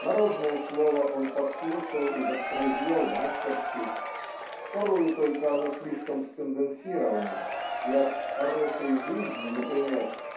Народное слово он подслушал и воспроизвел мастерски (порою только оно слишком сконденсировано и от "Хорошей жизни" например